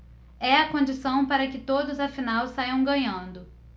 é a condição para que todos afinal saiam ganhando